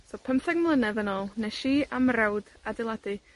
So pymtheg mlynedd yn ôl, ness i a'm mrawd adeiladu